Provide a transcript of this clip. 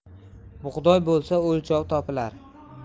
bug'doy bo'lsa o'lchov topilar